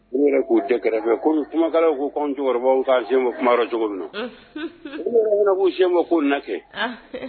U yɛrɛ k'u tɛ kɛrɛfɛ ko kuma'u kan cɛkɔrɔbaw ka sɛ ma kuma cogo min na'u sɛ ma ko na kɛ